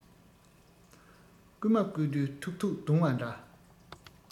རྐུན མ རྐུ དུས ཐུག ཐུག རྡུང བ འདྲ